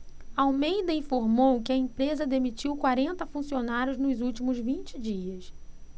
almeida informou que a empresa demitiu quarenta funcionários nos últimos vinte dias